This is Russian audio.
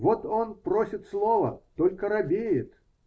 Вот он просит слова, только робеет.